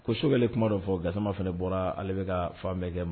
Ko sokɛkɛ kuma dɔ fɔ gasama fana bɔra ale bɛka ka fan bɛɛ kɛ ma